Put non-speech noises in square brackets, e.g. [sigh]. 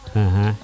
[hesitation] [hesitation]